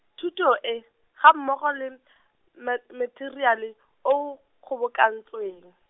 thuto e e, ga mmogo le m- , me- materiale, o, kgobokantsweng.